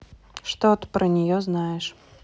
что ты про нее знаешь